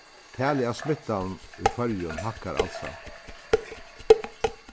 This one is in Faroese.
talið av smittaðum í føroyum hækkar alsamt